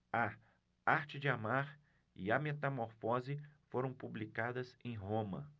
a arte de amar e a metamorfose foram publicadas em roma